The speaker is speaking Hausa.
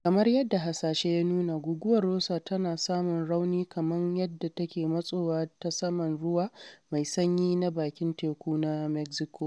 Kamar yadda hasashe ya nuna, Guguwar Rosa tana samun rauni kamar yadda take motsawa ta saman ruwa mai sanyi na bakin teku na Mexico.